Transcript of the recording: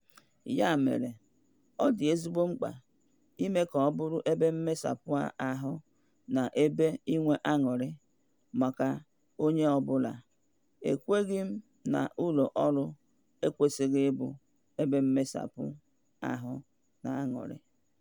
Ya mere, ọ dị ezigbo mkpa ịme ka ọ bụrụ ebe mmesapụ ahụ na ebe ịnwe aṅurị maka onye ọbụla (ekwughi m na ụlọọrụ ekwesịghị ị bụ ebe mmesapụ ahụ na aṅurị.